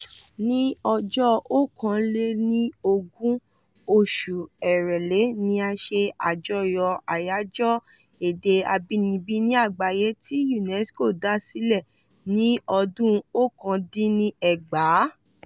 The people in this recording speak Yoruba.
Ní ọjọ́ 21 oṣù Èrèlé ni a ṣe àjọyọ̀ Àyájọ́ Èdè Abínibí ní Àgbáyé, tí UNESCO dá sílẹ̀ ní ọdún 1999.